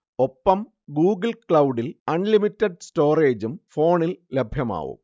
ഒപ്പം ഗൂഗിൾ ക്ലൗഡിൽ അൺലിമിറ്റഡ് സ്റ്റോറേജും ഫോണിൽ ലഭ്യമാവും